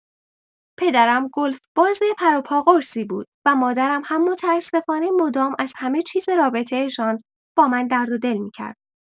پدرم گلف‌باز پروپاقرصی بود و مادرم هم متاسفانه مدام از همه‌چیز رابطه‌شان با من درددل می‌کرد.